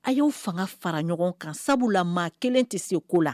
A y'o fanga fara ɲɔgɔn kan sabula la maa kelen tɛ se ko la